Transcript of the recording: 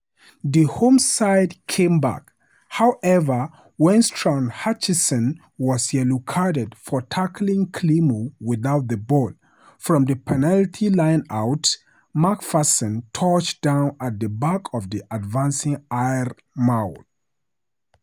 The home side came back, however, and when Struan Hutchinson was yellow-carded for tackling Climo without the ball, from the penalty line-out, MacPherson touched down at the back of the advancing Ayr maul.